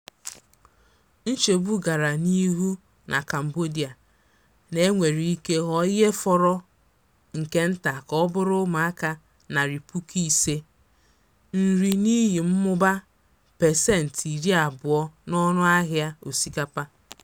Nchegbu gara n'ihu na Cambodia na e nwere ike ghọọ ihe fọrọ nke nta ka ọ bụrụ ụmụaka 500,000 nri n'ihi mmụba 20% n'ọnụahịa osikapa.